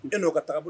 Dɔn' u ka taabolo